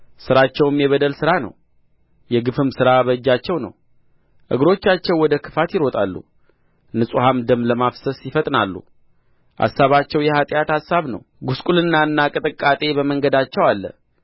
ሥራቸውም የበደል ሥራ ነው የግፍም ሥራ በእጃቸው ነው እግሮቻቸው ወደ ክፋት ይሮጣሉ ንጹሑን ደም ለማፍሰስ ይፈጥናሉ አሳባቸው የኃጢአት አሳብ ነው ጕስቍልናና ቅጥቃጤ በመንገዳቸው አለ